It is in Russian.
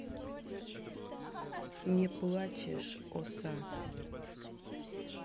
не плачешь оса